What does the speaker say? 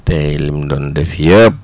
te lim doon def yëpp